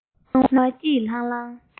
སྣང བ སྐྱིད ལྷང ལྷང